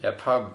Ia pam?